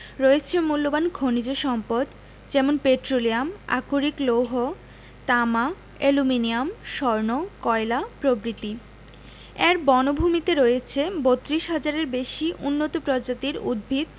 রয়েছে মুল্যবান খনিজ সম্পদ যেমন পেট্রোলিয়াম আকরিক লৌহ তামা অ্যালুমিনিয়াম স্বর্ণ কয়লা প্রভৃতি এর বনভূমিতে রয়েছে ৩২ হাজারেরও বেশি উন্নত প্রজাতির উদ্ভিদ